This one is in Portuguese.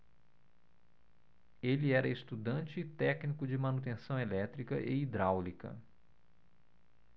ele era estudante e técnico de manutenção elétrica e hidráulica